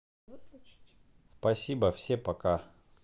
спасибо все пока